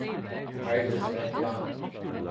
ærgisbrekka